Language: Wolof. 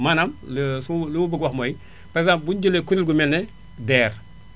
maanaam lu ma bëgg a wax mooy par exemple buñu jëlee kuréel gu mel ne DER